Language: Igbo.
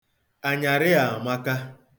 Anyarị a amaka.